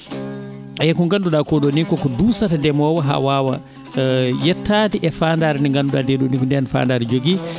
eeyi ko ngannduɗaa koo ɗoo nii ko ko duusata ndemoowo haa waawa yottaade e faandaare nde ngannduɗaa nde ɗo ni ndeen faandaare jogii